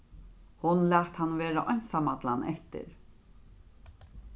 hon læt hann vera einsamallan eftir